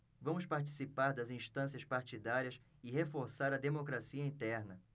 vamos participar das instâncias partidárias e reforçar a democracia interna